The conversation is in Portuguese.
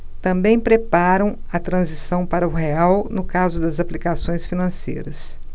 também preparam a transição para o real no caso das aplicações financeiras